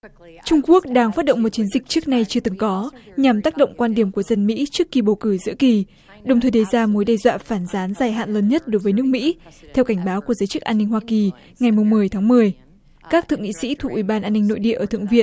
trung quốc đang phát động một chiến dịch trước nay chưa từng có nhằm tác động quan điểm của dân mỹ trước kỳ bầu cử giữa kỳ đồng thời đề ra mối đe dọa phản gián dài hạn lớn nhất đối với nước mỹ theo cảnh báo của giới chức an ninh hoa kỳ ngày mùng mười tháng mười các thượng nghị sĩ thuộc ủy ban an ninh nội địa ở thượng viện